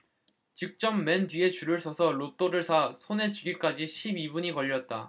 직접 맨 뒤에 줄을 서서 로또를 사 손에 쥐기까지 십 이 분이 걸렸다